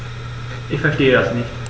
Ich verstehe das nicht.